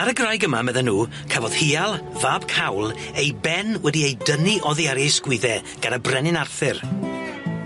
Ar y graig yma, medden nw cafodd Hial, fab Cawl ei ben wedi ei dynnu oddi ar ei ysgwydde, gan y brenin Arthur.